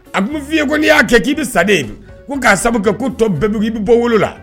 A bɛ fɔi ye ko n'i y'a kɛ k'i bɛ sa ko k'a sababu kɛ ko tɔ bɛɛbugu i bɛ bɔ wolola